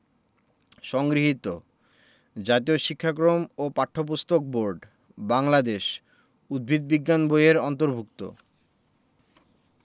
সংগৃহীত জাতীয় শিক্ষাক্রম ও পাঠ্যপুস্তক বোর্ড বাংলাদেশ উদ্ভিদ বিজ্ঞান বই এর অন্তর্ভুক্ত